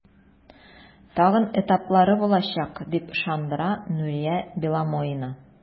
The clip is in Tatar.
Тагын этаплары булачак, дип ышандыра Нурия Беломоина.